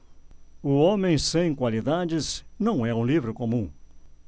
o homem sem qualidades não é um livro comum